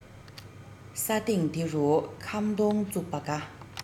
ས སྟེང འདི རུ ཁམ སྡོང བཙུགས པ དགའ